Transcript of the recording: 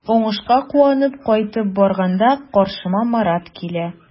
Уңышка куанып кайтып барганда каршыма Марат килә.